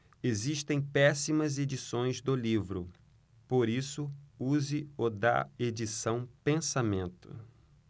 existem péssimas edições do livro por isso use o da edição pensamento